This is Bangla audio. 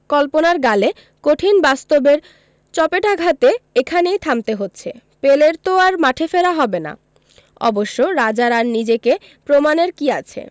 কল্পনার গালে কঠিন বাস্তবের চপেটাঘাতে এখানেই থামতে হচ্ছে পেলের তো আর মাঠে ফেরা হবে না অবশ্য রাজার আর নিজেকে প্রমাণের কী আছে